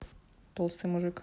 толстый мужик